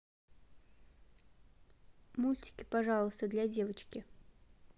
мультики пожалуйста для девочки